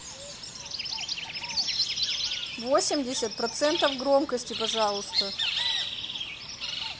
восемьдесят процентов громкости пожалуйста